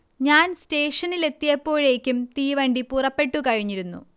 ഞാൻ സ്റ്റേഷനിലെത്തിയപ്പോഴേക്കും തീവണ്ടി പുറപ്പെട്ടു കഴിഞ്ഞിരുന്നു